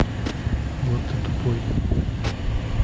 вот ты тупой